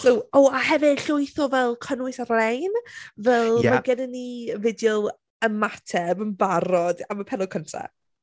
So o a hefyd llwyth o fel cynnwys ar-lein fel... ie ... Mae gennyn ni video ymateb yn barod am y pennod cynta.